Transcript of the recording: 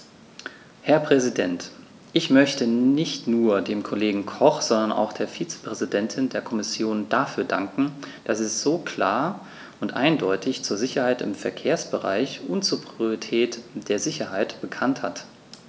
Herr Präsident, ich möchte nicht nur dem Kollegen Koch, sondern auch der Vizepräsidentin der Kommission dafür danken, dass sie sich so klar und eindeutig zur Sicherheit im Verkehrsbereich und zur Priorität der Sicherheit bekannt hat.